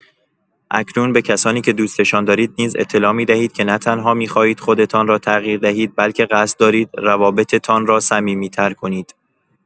اکنون به کسانی که دوستشان دارید نیز اطلاع می‌دهید که نه‌تنها می‌خواهید خودتان را تغییر دهید، بلکه قصد دارید روابطتان را صمیمی‌تر کنید.